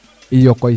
iyo koy